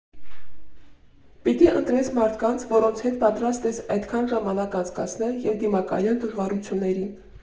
Պիտի ընտրես մարդկանց, որոնց հետ պատրաստ ես այդքան ժամանակ անցկացնել և դիմակայել դժվարություններին։